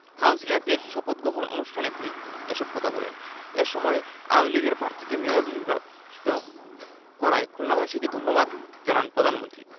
কাউন্সিলরদের শপথগ্রহণ অনুষ্ঠানে তিনি এসব কথা বলেন এ সময় আওয়ামী লীগের প্রার্থীকে মেয়র নির্বাচিত করায় খুলনাবাসীকে ধন্যবাদ জানান প্রধানমন্ত্রী